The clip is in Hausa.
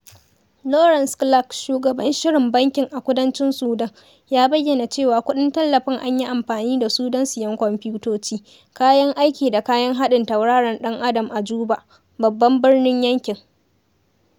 Laurence Clarke, shugaban shirin bankin a kudancin Sudan, ya bayyana cewa kuɗin tallafi an yi amfani da su don siyan kwamfutoci, kayan aiki da kayan haɗin tauraron ɗan Adam a Juba, babban birnin yankin.